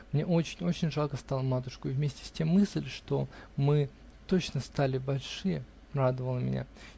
Мне очень, очень жалко стало матушку, и вместе с тем мысль, что мы точно стали большие, радовала меня.